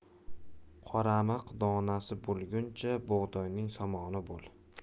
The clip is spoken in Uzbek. qoramiq donasi bo'lguncha bug'doyning somoni bo'l